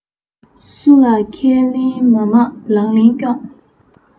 སུ ལ ཁས ལེན མ མང ལག ལེན སྐྱོངས